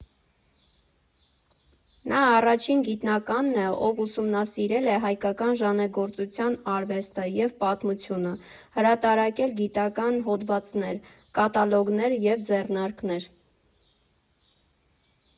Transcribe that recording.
Նա առաջին գիտնականն է, ով ուսումնասիրել է հայկական ժանեկագործության արվեստը և պատմությունը, հրատարակել գիտական հոդվածներ, կատալոգներ և ձեռնարկներ։